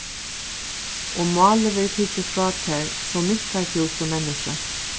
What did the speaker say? um málið verður tikið frá tær so minkar tú sum menniskja